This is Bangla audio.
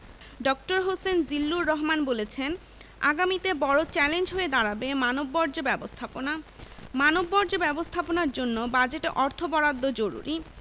ড হোসেন জিল্লুর রহমান বলেছেন আগামীতে বড় চ্যালেঞ্জ হয়ে দাঁড়াবে মানববর্জ্য ব্যবস্থাপনা মানববর্জ্য ব্যবস্থাপনার জন্য বাজেটে অর্থ বরাদ্দ জরুরি